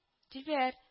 Дилбәр